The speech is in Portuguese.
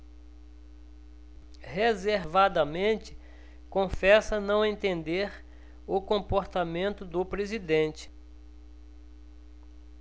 reservadamente confessa não entender o comportamento do presidente